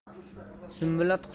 sumbula tug'sa suv sovir